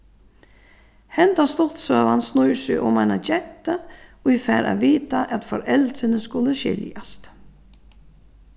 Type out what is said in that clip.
hendan stuttsøgan snýr seg um eina gentu ið fær at vita at foreldrini skulu skiljast